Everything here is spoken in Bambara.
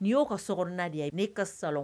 Ni y'o ka so sɔ naani ye n' ka sa